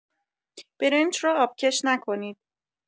برنج را آبکش نکنید.